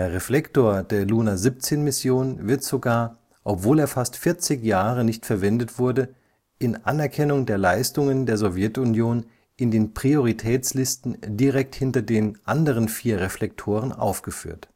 Reflektor der Luna-17-Mission wird sogar, obwohl er fast 40 Jahre nicht verwendet wurde, in Anerkennung der Leistungen der Sowjetunion in den Prioritätslisten direkt hinter den anderen vier Reflektoren aufgeführt